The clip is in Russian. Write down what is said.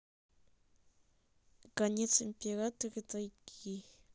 конец императора тайги